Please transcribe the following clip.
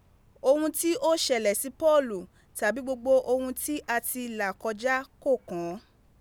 Ohun ti o sele si Poolu tabi gbogbo ohun ti o ti la koja ko kan an.